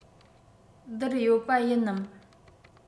བསྡུར ཡོད པ ཡིན ནམ